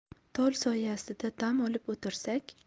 tol soyasida dam olib o'tirsak